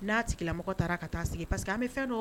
N'a sigilamɔgɔ taara ka taa sigi pa parceseke an bɛ fɛn don